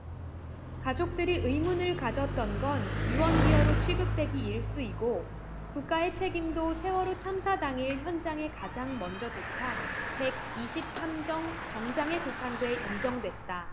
가족들이 의문을 가졌던 건 유언비어로 취급되기 일쑤이고 국가의 책임도 세월호 참사 당일 현장에 가장 먼저 도착 백 이십 삼 정 정장에 국한 돼 인정됐다